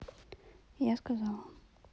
я сказала